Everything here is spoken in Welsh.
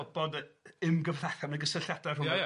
...bod bod yy um-gyfalla, mewn gysylltiadau... Ie ie.